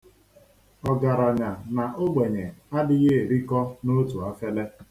Ọgaranya na ogbenye adịghị erikọ n'otu efere.